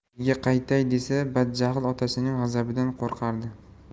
uyiga qaytay desa badjahl otasining g'azabidan qo'rqardi